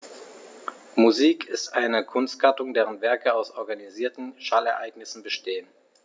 Musik ist eine Kunstgattung, deren Werke aus organisierten Schallereignissen bestehen.